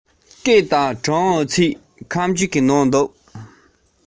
ལམ བར དུ ངའི བློ ཡུལ དུ